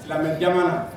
Silamɛ jama